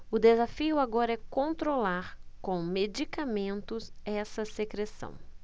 o desafio agora é controlar com medicamentos essa secreção